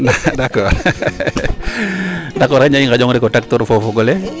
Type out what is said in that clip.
d' accord xayna i nga'ong rek o tak toor fo o fogole